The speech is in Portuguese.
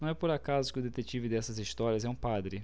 não é por acaso que o detetive dessas histórias é um padre